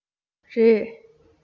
རེད